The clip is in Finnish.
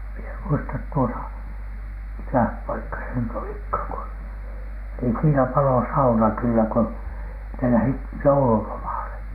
minä en muista tuota mikä paikka se nyt olikaan kun niin siinä paloi sauna kyllä kun ne lähtivät joululomalle